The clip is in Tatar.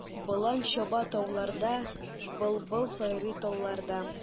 Болан чаба тауларда, былбыл сайрый талларда.